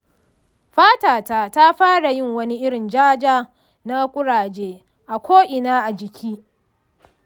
fatata ta fara yin wani irin ja-ja na kuraje a ko’ina a jiki.